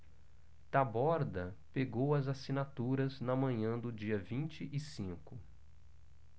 taborda pegou as assinaturas na manhã do dia vinte e cinco